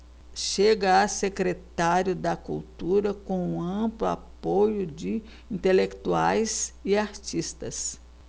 chega a secretário da cultura com amplo apoio de intelectuais e artistas